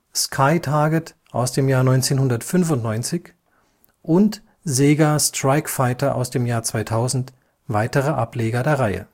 Sky Target (1995) und Sega Strike Fighter (2000) weitere Ableger der Reihe